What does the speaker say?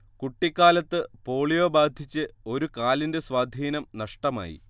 കുട്ടിക്കാലത്ത് പോളിയോ ബാധിച്ച് ഒരു കാലിന്റെ സ്വാധീനം നഷ്ടമായി